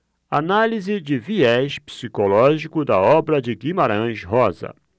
análise de viés psicológico da obra de guimarães rosa